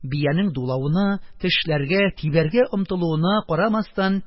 Биянең дулавына - тешләргә, тибәргә омтылуына карамастан,